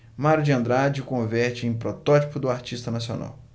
mário de andrade o converte em protótipo do artista nacional